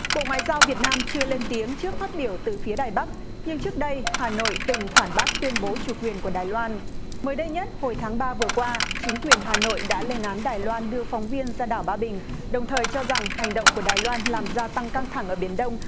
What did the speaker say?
bộ ngoại giao việt nam chưa lên tiếng trước phát biểu từ phía đài bắc nhưng trước đây hà nội từng phản bác tuyên bố chủ quyền của đài loan mới đây nhất hồi tháng ba vừa qua chính quyền hà nội đã lên án đài loan đưa phóng viên ra đảo ba bình đồng thời cho rằng hành động của đài loan làm gia tăng căng thẳng ở biển đông